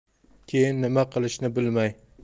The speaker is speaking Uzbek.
keyin nima qilishni bilmay